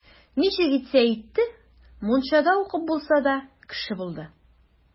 Ничек итсә итте, мунчада укып булса да, кеше булды.